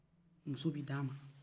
muso bɛ d'a ma